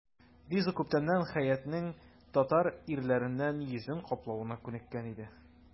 Лиза күптәннән Хәятның татар ирләреннән йөзен каплавына күнеккән иде.